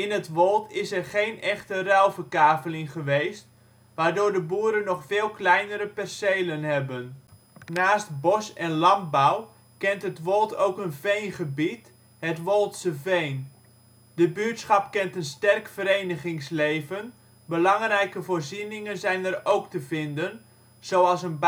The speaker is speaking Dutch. het Woold is er geen echte ruilverkaveling geweest, waardoor de boeren nog veel kleinere percelen hebben. Naast bos en landbouw kent het Woold ook een veengebied: het Wooldse Veen. De buurtschap kent een sterk verenigingsleven, belangrijke voorzieningen zijn er ook te vinden zoals een